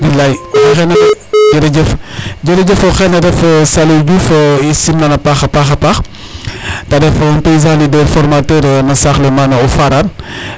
Bilaay oxey xene de jerejef jerejef oxene ref Saliou Diouf i simnan a paaxa paax ta ref un paysan leader formateur no saax le maana o Faraar